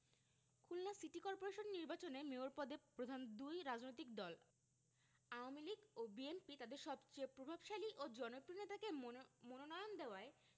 Khulna city corporation নির্বাচনে mayor পদে প্রধান দুই রাজনৈতিক দল আওয়ামী লীগ ও বিএনপি তাদের সবচেয়ে প্রভাবশালী ও জনপ্রিয় নেতাকে মনোনয়ন দেওয়ায়